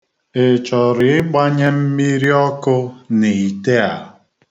Ị chọrọ igbanye mmiri ọkụ n'ite a?